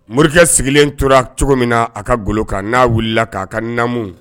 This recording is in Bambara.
Morikɛ sigilen tora cogo min na a ka golokan n'a wulila k'a ka na